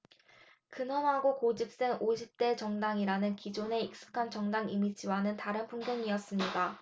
근엄하고 고집센 오십 대 정당이라는 기존의 익숙한 정당 이미지와는 다른 풍경이었습니다